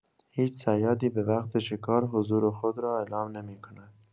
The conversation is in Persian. هیچ صیادی، به‌وقت شکار، حضور خود را اعلام نمی‌کند.